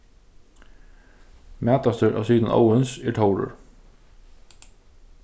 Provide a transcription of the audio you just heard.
mætastur av synum óðins er tórur